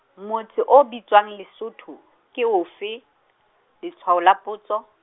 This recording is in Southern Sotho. motse o bitswang Lesotho, ke ofe? letshwao la potso.